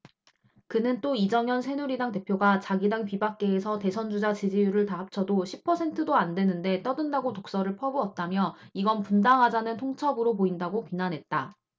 그는 또 이정현 새누리당 대표가 자기 당 비박계에게 대선주자 지지율을 다 합쳐도 십 퍼센트도 안 되는데 떠든다고 독설을 퍼부었다며 이건 분당하자는 통첩으로 보인다고 비난했다